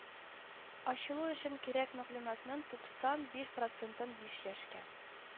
Ачылу өчен кирәк мәгълүматның туксан биш процентын биш яшькә